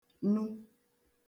nu